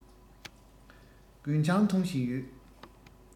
རྒུན ཆང འཐུང བཞིན ཡོད